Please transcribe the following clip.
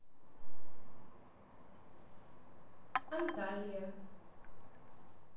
анталия